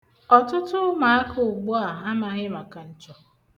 Ọtụtụ ụmụaka ugbua amaghị maka nchọ.